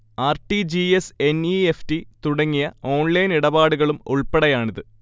R. T. G. S., N. E. F T. തുടങ്ങിയ online ഇടപാടുകളും ഉൾപ്പടെയാണിത്